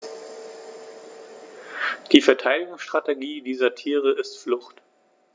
Die Verteidigungsstrategie dieser Tiere ist Flucht.